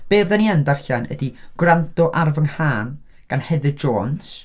Be fyddan ni yn darllen ydi 'Gwrando ar fy Nghân' gan Heather Jones.